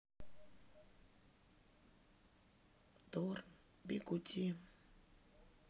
дорн бигуди